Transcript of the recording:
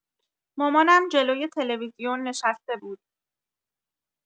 مامانم جلوی تلویزیون نشسته بود.